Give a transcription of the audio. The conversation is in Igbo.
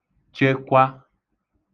chekwa